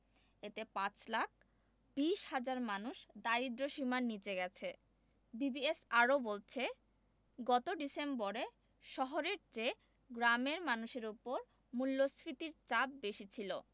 এতে ৫ লাখ ২০ হাজার মানুষ দারিদ্র্যসীমার নিচে গেছে বিবিএস আরও বলছে গত ডিসেম্বরে শহরের চেয়ে গ্রামের মানুষের ওপর মূল্যস্ফীতির চাপ বেশি ছিল